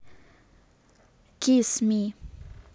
кисс ми